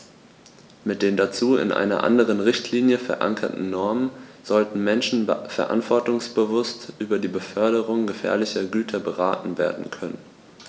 Mit den dazu in einer anderen Richtlinie, verankerten Normen sollten Menschen verantwortungsbewusst über die Beförderung gefährlicher Güter beraten werden können.